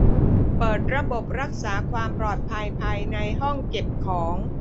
เปิดระบบรักษาความปลอดภัยภายในห้องเก็บของ